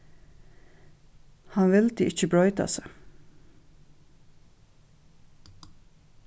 hann vildi ikki broyta seg